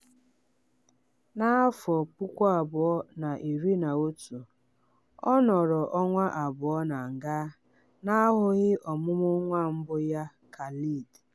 Na 2011, ọ nọrọ ọnwa abụọ na nga, na-ahụghị ọmụmụ nwa mbụ ya, Khaled.